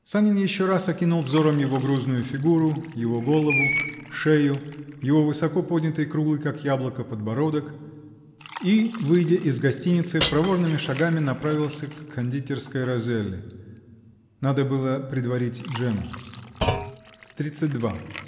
Санин еще раз окинул взором его грузную фигуру, его голову, шею, его высоко поднятый, круглый, как яблоко, подбородок -- и, выйдя из гостиницы проворными шагами направился к кондитерской Розелли. Надо было предварить Джемму. Тридцать два.